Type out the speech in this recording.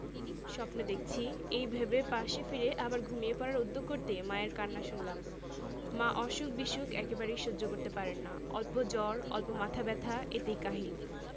স্বপ্ন দেখছি এই ভেবে পাশে ফিরে আবার ঘুমিয়ে পড়ার উদ্যোগ করতেই মায়ের কান্না শুনলাম মা অসুখ বিসুখ একেবারেই সহ্য করতে পারেন না অল্প জ্বর অল্প মাথা ব্যাথা এতেই কাহিল